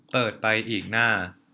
เปิดไปอีกหน้า